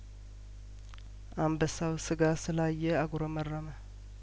አንበሳው ስጋ ስላየ አጉረመረመ